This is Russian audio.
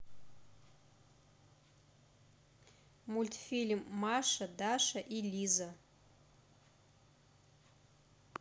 мультфильм маша даша и лиза